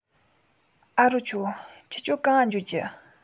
ཨ རོགས ཆ བོ ཁྱོད ཚོ གང ང འགྱོ རྒྱུ